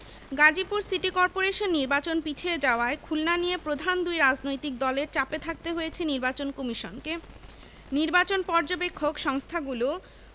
Gazipur city corporation নির্বাচন পিছিয়ে যাওয়ায় খুলনা নিয়ে প্রধান দুই রাজনৈতিক দলের চাপে থাকতে হয়েছে নির্বাচন কমিশনকে নির্বাচন পর্যবেক্ষক সংস্থাগুলো